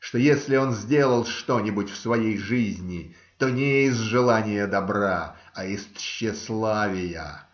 что если он сделал что-нибудь в своей жизни, то не из желания добра, а из тщеславия